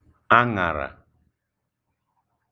aṅàrà